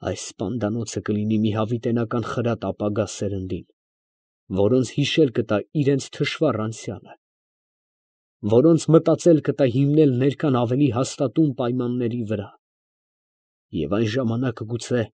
Այս սպանդանոցը կլինի մի հավիտենական խրատ ապագա սերնդին, որոնց հիշել կտա իրանց թշվառ անցյալը… որոնց մտածել կտա հիմնել ներկան ավելի հաստատուն պայմանների վրա… և այն ժամանակ գուցե։